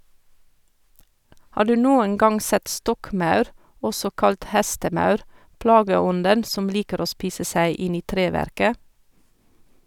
Har du noen gang sett stokkmaur, også kalt hestemaur, plageånden som liker å spise seg inn i treverket?